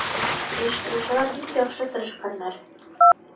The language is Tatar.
Оештыручылар бик яхшы тырышканнар.